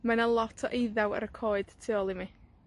Mae 'na lot o eiddew ar y coed tu ôl i mi.